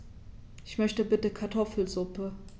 Ich möchte bitte Kartoffelsuppe.